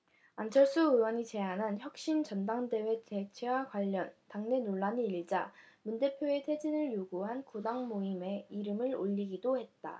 안철수 의원이 제안한 혁신 전당대회 개최와 관련 당내 논란이 일자 문 대표의 퇴진을 요구한 구당모임에 이름을 올리기도 했다